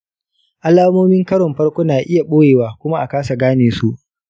alamomin karon farko na iya ɓoyewa kuma a kasa gane su.